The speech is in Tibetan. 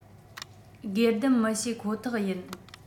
སྒེར སྡེམ མི བྱེད ཁོ ཐག ཡིན